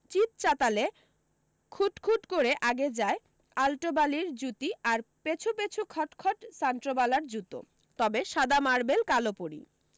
চিতচাতালে খুট খুট করে আগে যায় আলটোবালির জুতি আর পেছু পেছু খট খট সান্ট্রোবালার জুতো তবে সাদা মার্বেল কালো পরী